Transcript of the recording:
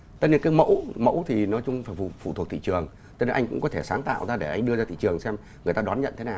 tất nhiên các mẫu mẫu thì nói chung phải phụ phụ thuộc thị trường tất nhiên anh cũng có thể sáng tạo ra để đưa ra thị trường xem người ta đón nhận thế nào